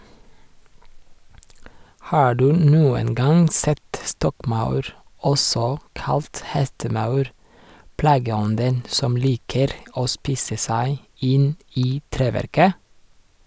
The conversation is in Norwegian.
Har du noen gang sett stokkmaur, også kalt hestemaur, plageånden som liker å spise seg inn i treverket?